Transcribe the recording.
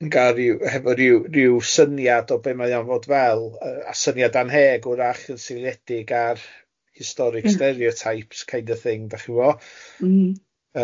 Ga'l ryw hefo ryw ryw syniad o be mae o'n fod fel yy a syniad anheg wrach yn syliedig ar historic stereotypes kind of thing dach chi'n gwbo. M-hm.